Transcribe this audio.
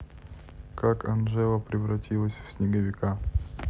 как анжела превратилась в снеговика